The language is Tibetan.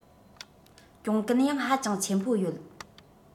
གྱོང གུན ཡང ཧ ཅང ཆེན པོ ཡོད